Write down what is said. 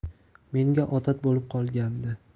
menga odat bo'lib qolgandi